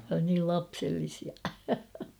niin lapsellisia